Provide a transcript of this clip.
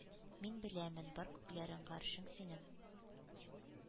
Мин беләмен, бар күкләрең, гаршең синең